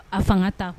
A fanga ta